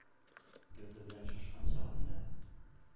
Гете белән шашкан чагымда?